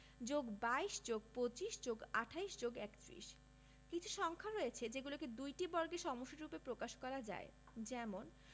+২২+২৫+২৮+৩১ কিছু সংখ্যা রয়েছে যেগুলোকে দুইটি বর্গের সমষ্টিরুপে প্রকাশ করা যায় যেমনঃ